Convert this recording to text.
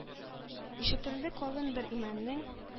Ишетелде калын бер имәннең